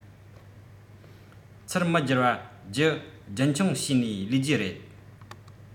ཚུལ མི སྒྱུར བར རྒྱུ རྒྱུན འཁྱོངས བྱས ནས ལས རྒྱུ རེད